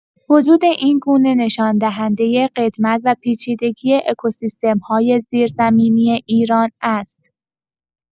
وجود این گونه نشان‌دهنده قدمت و پیچیدگی اکوسیستم‌های زیرزمینی ایران است.